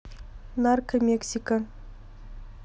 нарко мексика